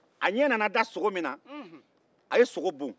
a ɲɛ nana da sogo min na a ye sogo bon